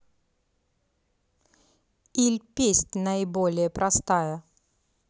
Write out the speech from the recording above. или песнь наиболее простая